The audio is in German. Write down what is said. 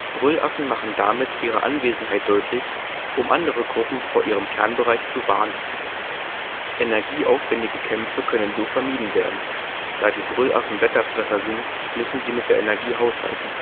Brüllaffen machen damit ihre Anwesenheit deutlich, um andere Gruppen vor ihrem Kernbereich zu warnen. Energieaufwändige Kämpfe – da die Brüllaffen Blätterfresser sind, müssen sie mit der Energie haushalten